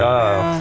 ja ja ja.